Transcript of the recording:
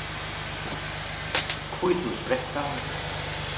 hvíthúsbrekka